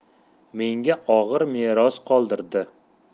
menga og'ir meros qoldirdi